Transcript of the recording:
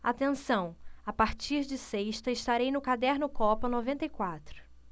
atenção a partir de sexta estarei no caderno copa noventa e quatro